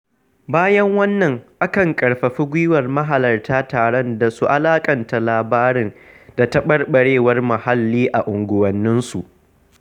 Bayan wannan, akan ƙarfafi guiwar mahalarta taron da su alaƙanta labarin da taɓarɓarewar muhalli a unguwanninsu.